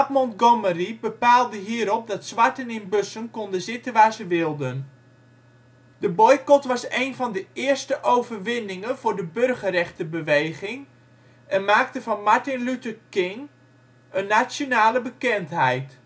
Montgomery bepaalde hierop dat zwarten in bussen konden zitten waar ze wilden. De boycot was één van de eerste overwinningen voor de burgerrechtenbeweging en maakte van Martin Luther King een nationale bekendheid